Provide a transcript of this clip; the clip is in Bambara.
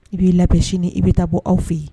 I b'i labɛn sini i bɛ taa bɔ aw fɛ yen